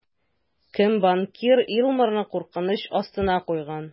Кем банкир Илмарны куркыныч астына куйган?